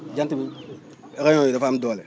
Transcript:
jant bi rayon yi dafa am doole